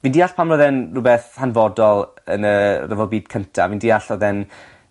Fi'n deall pan ro'dd e'n rwbeth hanfodol yn y rhyfel byd cynta fi'n deall odd e'n